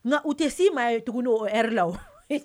Nka u tɛ s'i maa ye tuguni o ɛri la